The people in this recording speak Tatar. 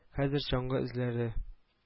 Хәзер чаңгы эзләре